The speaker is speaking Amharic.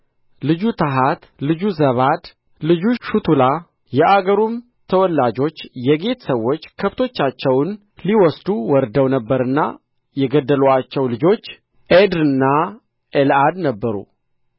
ልጁ ታሐት ልጁ ዛባድ ልጁ ሽቱላ የአገሩም ተወላጆች የጌት ሰዎች ከብቶቻቸውን ሊወስዱ ወርደው ነበርና የገደሉአቸው ልጆቹ ኤድርና ኤልዓድ ነበሩ